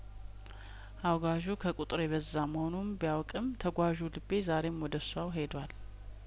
አውገዡ ከቁጥር የበዛ መሆኑን ቢያውቅም ተጓዡ ልቤ ዛሬም ወደሷው ሄዷል